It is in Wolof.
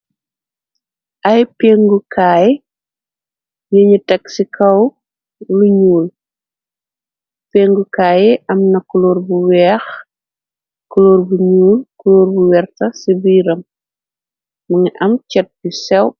Ay pengukaay yënu teg ci kaw lu ñuul. pengukaay yi am na kloor bu weeh, kuloor bu nuul, kulóor bu vert ci biiram mungi am chet bu séw.